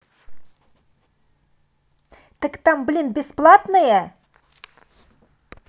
так там блин бесплатные